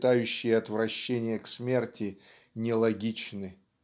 питающие отвращение к смерти не логичны"